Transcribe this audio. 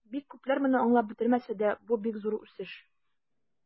Бик күпләр моны аңлап бетермәсә дә, бу бик зур үсеш.